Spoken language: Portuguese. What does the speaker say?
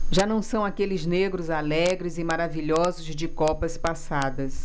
já não são aqueles negros alegres e maravilhosos de copas passadas